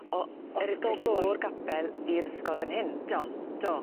O- o o'r gapel i'r ysgol fyn hyn? Do do.